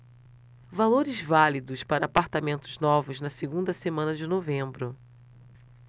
valores válidos para apartamentos novos na segunda semana de novembro